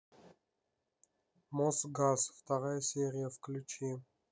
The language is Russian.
мосгаз вторая серия включи